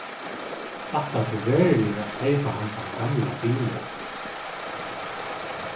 ætlar tú veruliga at keypa handan gamla bilin